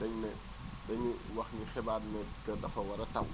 dañ ne dañu wax ni xibaar ne que dafa war a taw